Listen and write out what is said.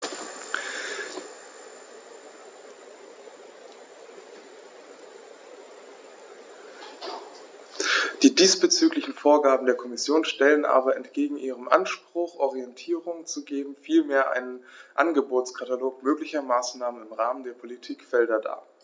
Die diesbezüglichen Vorgaben der Kommission stellen aber entgegen ihrem Anspruch, Orientierung zu geben, vielmehr einen Angebotskatalog möglicher Maßnahmen im Rahmen der Politikfelder dar.